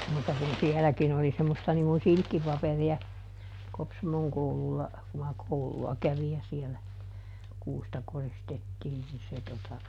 mutta kun sielläkin oli semmoista niin kuin silkkipaperia Kopsamon koululla kun minä koululla kävin ja siellä kuusta koristettiin niin se tuota